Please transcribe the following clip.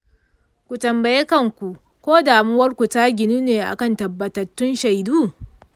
ku tambayi kanku ko damuwarku ta ginu ne akan tabbatattun shaidu.